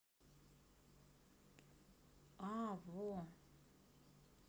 а во